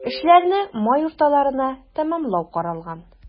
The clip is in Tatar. Эшләрне май урталарына тәмамлау каралган.